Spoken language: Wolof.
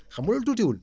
xam nga loolu tuutiwul